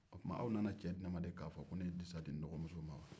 o tuma aw nana cɛ di ne ma de k'a fɔ ko ne ye disa di n dɔgɔmuso ma wa